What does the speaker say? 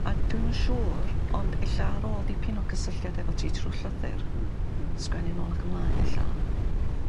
A dwi'm yn siŵr ond e'lla' ar ôl dipyn o cysylltiad efo ti trw llythyr... Hmm hmm. ...sgwennu nôl ac ymlaen e'lla'